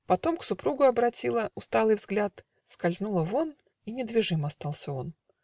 Потом к супругу обратила Усталый взгляд; скользнула вон. И недвижим остался он.